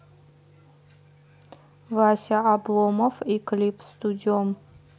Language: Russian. вася обломов и клип с дудем